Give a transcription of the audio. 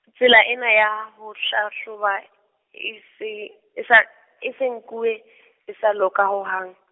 si- tsela ena ya ho, hlahloba e se, e sa, e se nkuwe e sa loka ho hang.